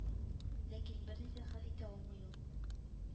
Ләкин берни дә хәл итә алмый ул